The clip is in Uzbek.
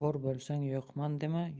bor bo'lsang yo'qman dema